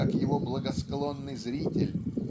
как его благосклонный зритель